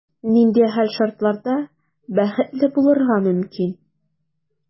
Нинди хәл-шартларда бәхетле булырга мөмкин?